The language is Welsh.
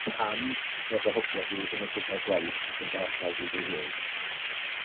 Pam bod dy hogia di 'im medru ca'l gwaith yn dy ardal di dy hun?